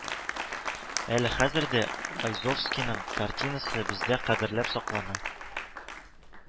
Әле хәзердә Айзовскийның картинасы бездә кадерләп саклана